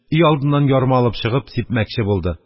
Өйалдыннан ярма алып чыгып сипмәкче булды.